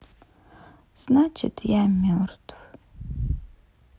значит я мертв